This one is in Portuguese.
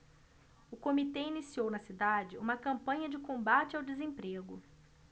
o comitê iniciou na cidade uma campanha de combate ao desemprego